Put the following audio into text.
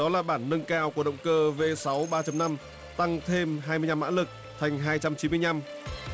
đó là bản nâng cao của động cơ vê sáu ba chấm năm tăng thêm hai mươi nhăm mã lực thành hai trăm chín mươi nhăm